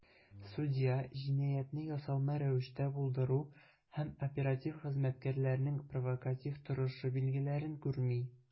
Судья "җинаятьне ясалма рәвештә булдыру" һәм "оператив хезмәткәрләрнең провокатив торышы" билгеләрен күрми.